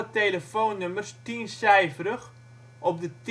telefoonnummers 10-cijferig op de